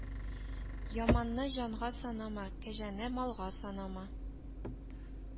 Яманны җанга санама, кәҗәне малга санама